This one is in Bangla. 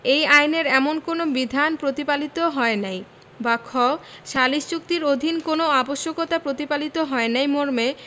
এই আইনের এমন কোন বিধান প্রতিপালিত হয় নাই বা খ সালিস চুক্তির অধীন কোন আবশ্যকতা প্রতিপালিত হয় নাই মর্মে